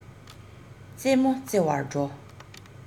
རྩེད མོ རྩེ བར འགྲོ